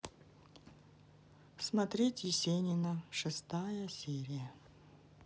смотреть есенина шестая серия